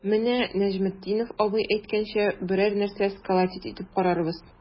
Менә Нәҗметдинов абый әйткәнчә, берәр нәрсә сколотить итеп карарбыз.